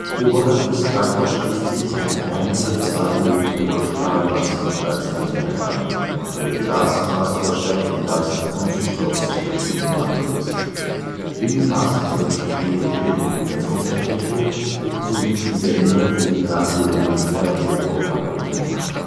Oberhalb des Sky Pod schließt sich ein 102 Meter hoher Stahlmast als Antenne an, der mit glasfaserverstärkten weißen Kunststoffsegmenten ummantelt ist. Im Mast sind verschiedene Telekommunikationseinrichtungen sowie die Sender für die Radio - und Fernsehprogramme untergebracht